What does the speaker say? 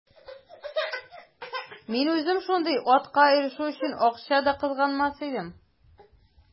Мин үзем шундый атка ирешү өчен акча да кызганмас идем.